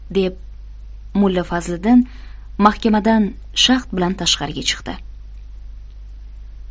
deb mulla fazliddin mahkamadan shaxt bilan tashqariga chiqdi